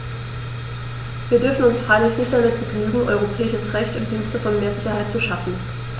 Wir dürfen uns freilich nicht damit begnügen, europäisches Recht im Dienste von mehr Sicherheit zu schaffen.